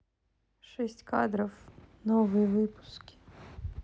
шесть кадров новые выпуски